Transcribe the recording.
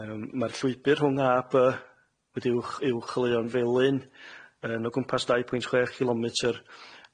Yym ma'r llwybyr rhwng A a By wedi'i uwcholeuo'n felyn yn o gwmpas dau pwynt chwech cilometr,